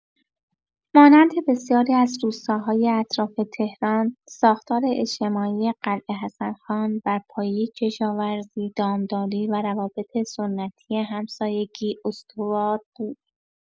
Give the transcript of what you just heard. مانند بسیاری از روستاهای اطراف تهران، ساختار اجتماعی قلعه حسن‌خان بر پایه کشاورزی، دامداری و روابط سنتی همسایگی استوار بود.